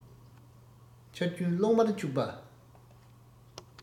ཆར རྒྱུན གློག དམར འཁྱུག པ